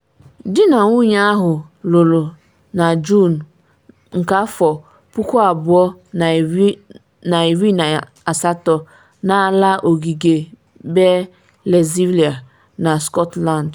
Di na nwunye ahụ lụrụ na Juun 2018 n’ala ogige be Leslie na Scotland.